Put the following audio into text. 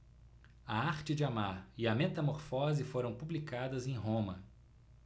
a arte de amar e a metamorfose foram publicadas em roma